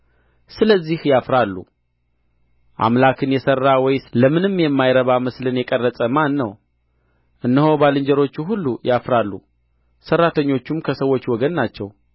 ስለዚህ ያፍራሉ አምላክን የሠራ ወይስ ለምንም የማይረባ ምስልን የቀረጸ ማን ነው እነሆ ባልንጀሮቹ ሁሉ ያፍራሉ ሠራተኞቹም ከሰዎች ወገን ናቸው